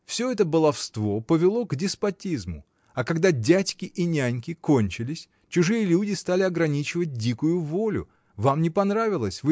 — Всё это баловство повело к деспотизму: а когда дядьки и няньки кончились, чужие люди стали ограничивать дикую волю, вам не понравилось